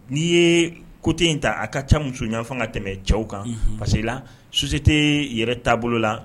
N'i ye kote in ta a ka ca musoyafan ka tɛmɛ cɛw kan parce i la susi tɛ yɛrɛ taabolo la